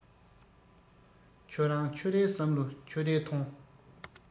ཁྱོད རང ཁྱོད རའི བསམ བློ ཁྱོད རས ཐོངས